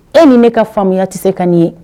E ni ne ka faamuya tɛ se ka nin ye